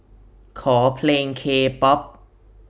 ขอเพลงเคป๊อป